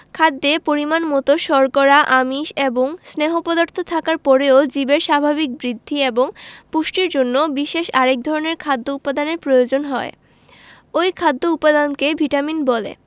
খাদ্যে পরিমাণমতো শর্করা আমিষ এবং স্নেহ পদার্থ থাকার পরেও জীবের স্বাভাবিক বৃদ্ধি এবং পুষ্টির জন্য বিশেষ আরেক ধরনের খাদ্য উপাদানের প্রয়োজন হয় ঐ খাদ্য উপাদানকে ভিটামিন বলে